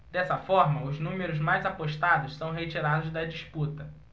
dessa forma os números mais apostados são retirados da disputa